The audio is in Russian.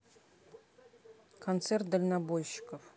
концерт дальнобойщиков